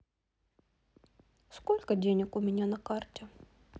сколько денег у меня на карте